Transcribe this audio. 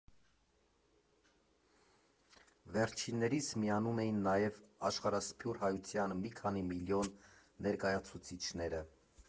Վերջիններիս միանում էին նաև աշխարհասփյուռ հայության մի քանի միլիոն ներկայացուցիչները։